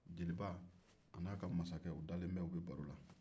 jeliba an'a ka masakɛ u dalen bɛ u bɛ baro la